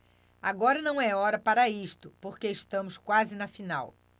agora não é hora para isso porque estamos quase na final